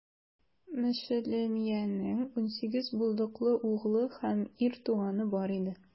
Мешелемиянең унсигез булдыклы углы һәм ир туганы бар иде.